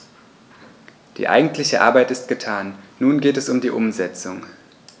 Die eigentliche Arbeit ist getan, nun geht es um die Umsetzung.